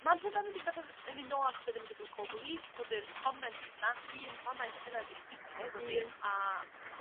Ma'n rhyfedd ydi feddw- yn myn' nôl at de' 'dan ni'n ni 'di deud am core beliefs bod yr comments 'na un comment yna 'di sticio efo fi... Un. ...a